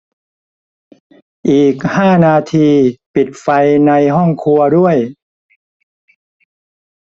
อีกห้านาทีปิดไฟในห้องครัวด้วย